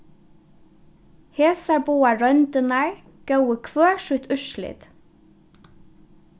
hesar báðar royndirnar góvu hvør sítt úrslit